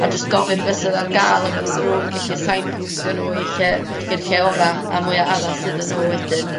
a jyst gofyn be' sydd ar ga'l a fe fydden n'w yn gellu sign-postio n'w i lle i'r lle ora' a mwya addas iddyn n'w wedyn.